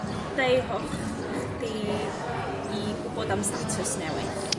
daefoch chdi i gwbod am statws newydd?